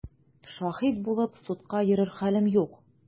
Шаһит булып судка йөрер хәлем юк!